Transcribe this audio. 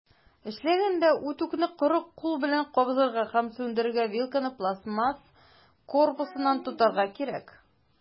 Эшләгәндә, үтүкне коры кул белән кабызырга һәм сүндерергә, вилканы пластмасс корпусыннан тотарга кирәк.